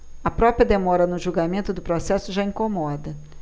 a própria demora no julgamento do processo já incomoda